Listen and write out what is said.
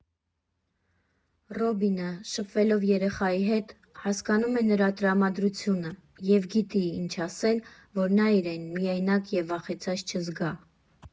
Ռոբինը, շփվելով երեխայի հետ, հասկանում է նրա տրամադրությունը և գիտի՝ ինչ ասել, որ նա իրեն միայնակ և վախեցած չզգա։